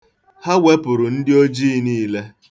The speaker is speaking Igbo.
Ha wepụrụ ndị ojii niile.